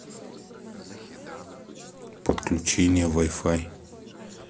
подключение вай фай